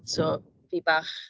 So, fi bach...